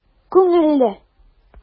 Күңелле!